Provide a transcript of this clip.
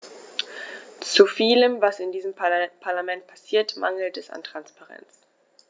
Zu vielem, was in diesem Parlament passiert, mangelt es an Transparenz.